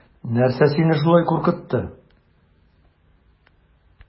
Нәрсә саине шулай куркытты?